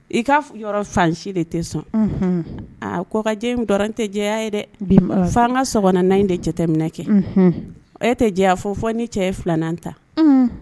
I ka fansi de tɛ sɔnjɛ tɛ jɛ ye dɛ fan so naani in de cɛminɛ kɛ e tɛ' fɔ fɔ ni cɛ ye filanan ta